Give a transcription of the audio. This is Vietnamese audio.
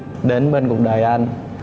đến bên cuộc đời anh